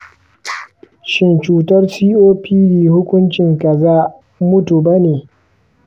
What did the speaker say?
shin cutar copd hukuncin kaza-mutu ba ne?